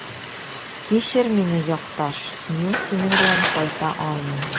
Кичер мине, якташ, мин синең белән кайта алмыйм.